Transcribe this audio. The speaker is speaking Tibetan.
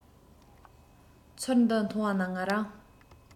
ཚུལ འདི མཐོང བ ན ང རང